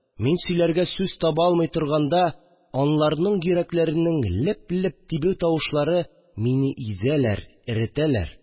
Мин сөйләргә сүз таба алмый торганда аларның йөрәкләренең леп-леп тибү тавышлары мине изәләр, эретәләр